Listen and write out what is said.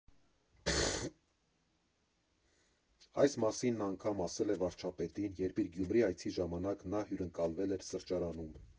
Այս մասին նա անգամ ասել է վարչապետին, երբ իր Գյումրի այցի ժամանակ նա հյուրընկալվել էր սրճարանում։